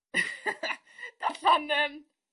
Darllan yym